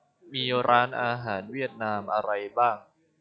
มีร้านอาหารเวียดนามอะไรบ้าง